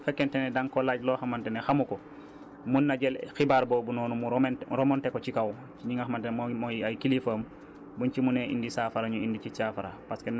waaye bu fekkente ne danga ko laaj loo xamante ne xamu ko mun na jël xibaar boobu noonu mu remonter ko ci kaw ñi nga xamante ne mooy mooy ay kilifaam buñ ci mënee indi saafara ñu indi ci saafara